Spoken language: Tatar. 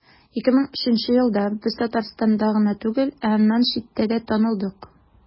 2003 елда без татарстанда гына түгел, ә аннан читтә дә танылдык.